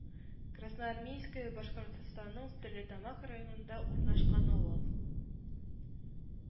Красноармейская Башкортстанның Стерлетамак районында урнашкан авыл